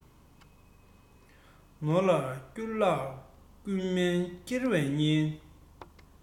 ནོར ལ བསྐྱུར བརླག རྐུན མས འཁྱེར བའི ཉེན